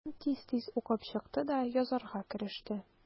Тоткын тиз-тиз укып чыкты да язарга кереште.